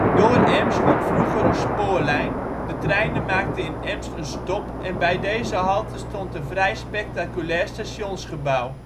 Door Emst liep vroeger een spoorlijn, de treinen maakten in Emst een stop en bij deze halte stond een vrij spectaculair stationsgebouw